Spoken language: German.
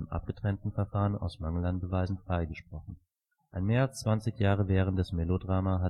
abgetrennten Verfahren aus Mangel an Beweisen freigesprochen. Ein mehr als zwanzig Jahre währendes Melodrama